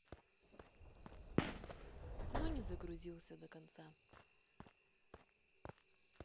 но не загрузился до конца